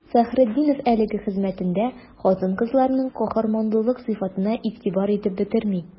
Фәхретдинов әлеге хезмәтендә хатын-кызларның каһарманлылык сыйфатына игътибар итеп бетерми.